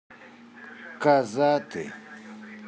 коза ты